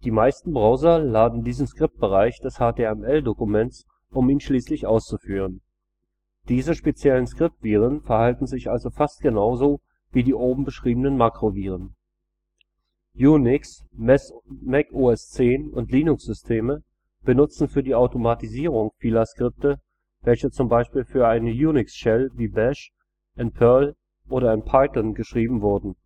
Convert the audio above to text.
meisten Browser laden diesen Skriptbereich des HTML-Dokuments um ihn schließlich auszuführen. Diese speziellen Skriptviren verhalten sich also fast genauso wie die oben beschriebenen Makroviren. Unix -, Mac-OS-X - und Linux-Systeme benutzen für die Automatisierung vieler Aufgaben Skripte, welche zum Beispiel für eine Unix-Shell wie bash, in Perl oder in Python geschrieben wurden